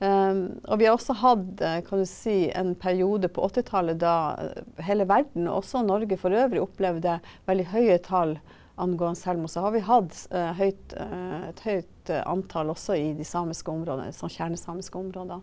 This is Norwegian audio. og vi har også hatt kan du si en periode på åttitallet da hele verden, også Norge forøvrig, opplevde veldig høye tall angående selvmord så har vi hatt høyt et høyt antall også i de samiske områda i sånn kjernesamiske områda.